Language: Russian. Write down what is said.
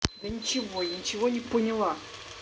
да ничего я ничего не поняла